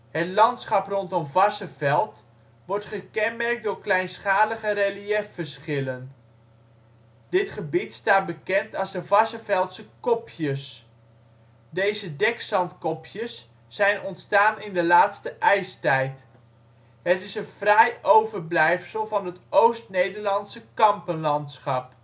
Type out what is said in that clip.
Het landschap rond Varsseveld wordt gekenmerkt door kleinschalige reliëfverschillen. Dit gebied staat bekend als de Varsseveldse kopjes. Deze dekzandkopjes zijn ontstaan in de laatste ijstijd. Het is een fraai overblijfsel van het Oost-Nederlandse kampenlandschap